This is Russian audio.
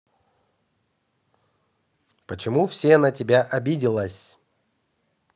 почему все на тебя обиделась